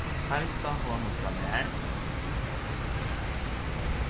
heilsa honum frá mær